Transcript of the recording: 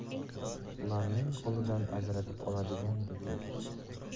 ularning qo'lidan ajratib oladigandek edi